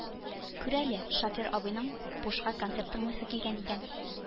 Күр әле, шофер абыйның бушка концерт тыңлыйсы килгән икән